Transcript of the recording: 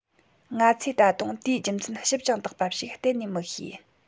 ང ཚོས ད དུང དེའི རྒྱུ མཚན ཞིབ ཅིང དག པ ཞིག གཏན ནས མི ཤེས